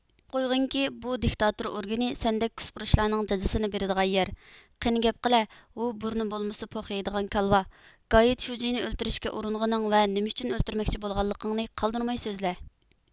ئۇقۇپ قويغىنكى بۇ دىكتاتۇرا ئورگىنى سەندەك كوسپۇرۇچلارنىڭ جاجىسىنى بېرىدىغان يەر قېنى گەپ قىلە سۇ بۇرنى بولمىسا پوق يەيدىغان كالۋا گايىت شۇجىنى ئۆلتۈرۈشكە ئۇرۇنغىنىڭ ۋە نېمە ئۈچۈن ئۆلتۈرمەكچى بولغانلىقىڭنى قالدۇرماي سۆزلە